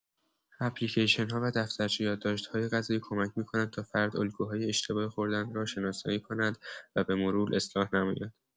اپلیکیشن‌ها و دفترچه یادداشت‌های غذایی کمک می‌کنند تا فرد الگوهای اشتباه خوردن را شناسایی کند و به‌مرور اصلاح نماید.